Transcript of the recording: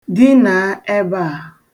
Dinaa ebe a.